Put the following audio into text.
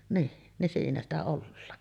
niin niin siinä sitä ollaan